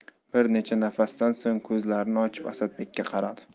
bir necha nafasdan so'ng ko'zlarini ochib asadbekka qaradi